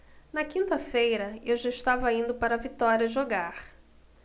na quinta-feira eu já estava indo para vitória jogar